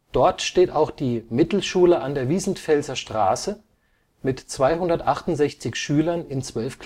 Dort steht auch die Mittelschule an der Wiesentfelser Straße (268/12